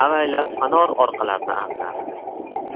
avaylab fanor orqalarini artardi